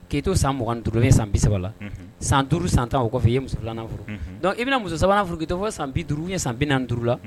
K'i to san muganɔgɔn duuruuru ye san bi saba la san duuruuru san tan o kɔfɛ i ye muso filanan furu dɔn i bɛna muso sabanan furu k'i' fɔ san bi duuru ye san bian duuru la